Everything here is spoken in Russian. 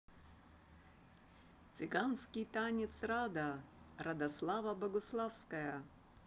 цыганский танец рада радослава богуславская